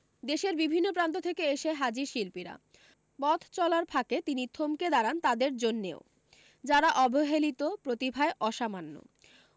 দেশের বিভিন্ন প্রান্ত থেকে এসে হাজির শিল্পীরা পথ চলার ফাঁকে তিনি থমকে দাঁড়ান তাদের জন্যেও যারা অবহেলিত প্রতিভায় অসামান্য